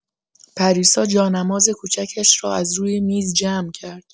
پریسا جانماز کوچکش را از روی میز جمع کرد.